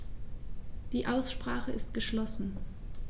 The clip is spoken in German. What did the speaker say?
Die Aussprache ist geschlossen.